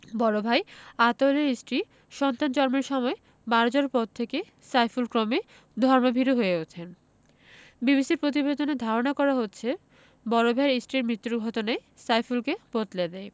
বড় ভাই আতাউলের স্ত্রী সন্তান জন্মের সময় মারা যাওয়ার পর থেকে সাইফুল ক্রমেই ধর্মভীরু হয়ে ওঠেন বিবিসির প্রতিবেদনে ধারণা করা হয়েছে বড় ভাইয়ের স্ত্রীর মৃত্যুর ঘটনাই সাইফুলকে বদলে দেয়